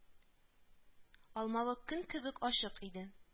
Алмавы көн кебек ачык иде